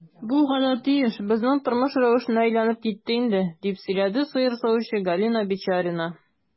Бу гадәти эш, безнең тормыш рәвешенә әйләнеп китте инде, - дип сөйләде сыер савучы Галина Бичарина.